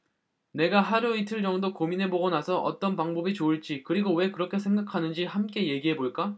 네가 하루 이틀 정도 고민해 보고 나서 어떤 방법이 좋을지 그리고 왜 그렇게 생각하는지 함께 얘기해 볼까